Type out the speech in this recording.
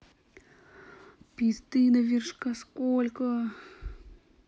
пизды до вершка сколько